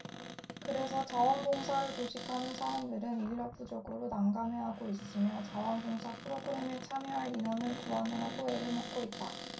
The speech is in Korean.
그래서 자원 봉사를 조직하는 사람들은 인력 부족으로 난감해하고 있으며 자원 봉사 프로그램에 참여할 인원을 구하느라고 애를 먹고 있다